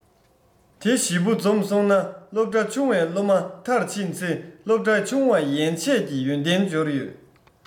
དེ བཞི བོ འཛོམས སོང ན སློབ གྲྭ ཆུང བའི སློབ མ མཐར ཕྱིན ཚེ སློབ གྲྭ ཆུང བ ཡན ཆད ཀྱི ཡོན ཏན འབྱོར ཡོད